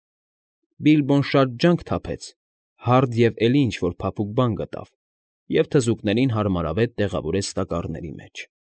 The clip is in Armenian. Բիլբոն շատ ջանք թափեց, հարդ և էլի ինչ֊որ փափուկ բան գտավ ու թզուկներին հարմարավետ տեղավորեց տակառների մեջ։